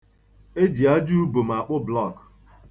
E ji aja ubom akpụ blọọkụ